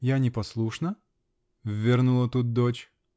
("Я не послушна?" -- ввернула тут дочь